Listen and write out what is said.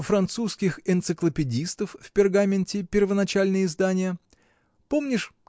французских энциклопедистов в пергаменте, первоначальные издания? Помнишь.